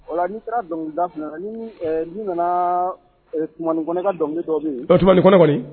N'i sera dɔnkili da n nana tuma kɔn ka dɔnkili tɔwbi tumabali